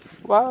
waw